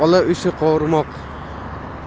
olov ishi qovurmoq